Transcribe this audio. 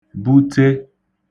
bute